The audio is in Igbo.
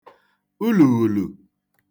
ulùghùlù